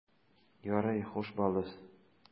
Ярый, хуш, балдыз.